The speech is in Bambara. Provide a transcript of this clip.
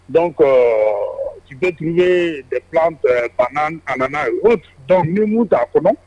Don jigi bɛ tun bɛ de banna a nana ye o dɔn minnu minnu t'a kɔnɔ